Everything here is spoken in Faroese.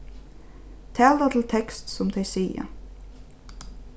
tala til tekst sum tey siga